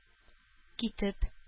Китеп